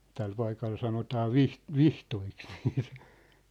tällä paikalla sanotaan - vihdoiksi niitä